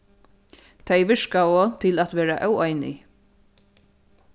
tey virkaðu til at vera óeinig